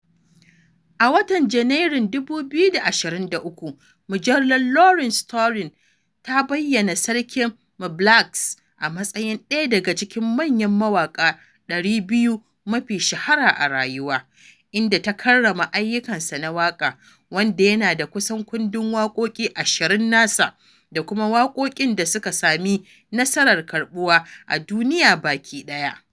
A watan Janairun 2023, mujallar Rolling Stone ta bayyana sarkin Mbalax a matsayin ɗaya daga cikin manyan mawaƙa 200 mafi shahara a rayuwa, inda ta karrama ayyukan sa na waƙa, wanda yana da kusan kundin waƙoƙi ashirin nasa, da kuma waƙoƙin da suka sami nasarar karɓuwa a duniya baki ɗaya.